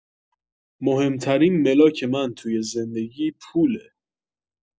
مهمترین ملاک من توی زندگی پوله